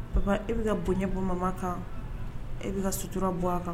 Papa e bɛ ka bonya bɔ Manan kan e bɛ ka sutura bɔ a ka